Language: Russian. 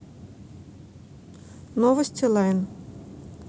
новости лайн